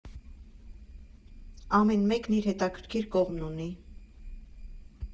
Ամեն մեկն իր հետաքրքիր կողմն ունի։